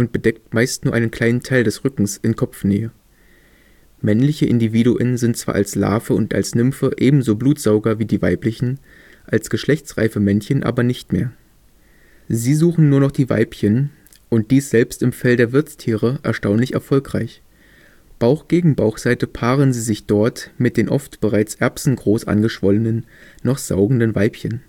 bedeckt meist nur einen kleinen Teil des Rückens in Kopfnähe. Männliche Individuen sind zwar als Larve und als Nymphe ebenso Blutsauger wie die weiblichen, als geschlechtsreife Männchen aber nicht mehr. Sie suchen nur noch die Weibchen – und dies selbst im Fell der Wirtstiere erstaunlich erfolgreich: Bauch - gegen Bauchseite paaren sie sich dort mit den oft bereits erbsengroß angeschwollenen, noch saugenden Weibchen